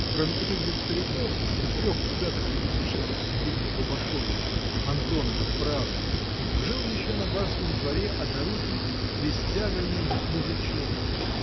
Кроме этих двух стариков да трех пузатых ребятишек в длинных рубашонках, Антоновых правнуков, жил еще на барском дворе однорукий бестягольный мужичонка